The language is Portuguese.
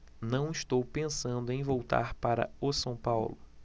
não estou pensando em voltar para o são paulo